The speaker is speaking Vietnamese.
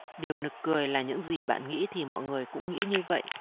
điều nực cười là những gì bạn nghĩ thì mọi người cũng nghĩ như vậy